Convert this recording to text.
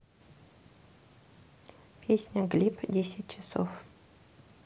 песня глеб десять часов